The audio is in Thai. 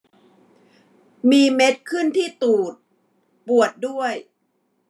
มีเม็ดขึ้นที่ตูดปวดด้วย